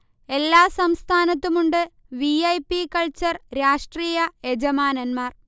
എല്ലാ സംസ്ഥാനത്തുമുണ്ട് V. I. P. Culture രാഷ്ട്രീയ യജമാനൻമാർ